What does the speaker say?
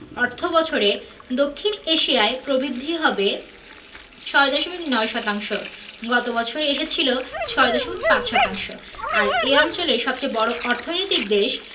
অর্থবছরে দক্ষিণ এশিয়ায় প্রবৃদ্ধি হবে ৬.৯ শতাংশ গত বছর এসেছিল ৬.৫ শতাংশ আর এ অঞ্চলের সবচেয়ে বড় অর্থনৈতিক দেশ